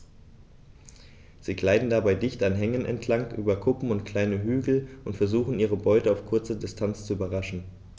Sie gleiten dabei dicht an Hängen entlang, über Kuppen und kleine Hügel und versuchen ihre Beute auf kurze Distanz zu überraschen.